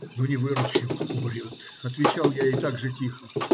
- Ну, не выручим, умрет, - отвечал я ей так же тихо